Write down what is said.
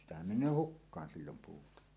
sitähän menee hukkaan silloin puuta